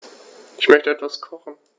Ich möchte etwas kochen.